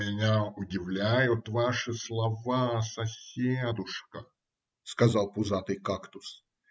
– Меня удивляют ваши слова, соседушка, – сказал пузатый кактус.